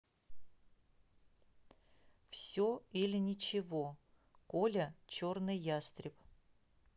все или ничего коля черный ястреб